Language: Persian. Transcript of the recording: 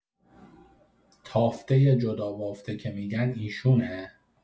تافتۀ جدابافته که می‌گن ایشونه؟